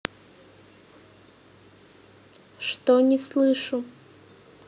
что не слышу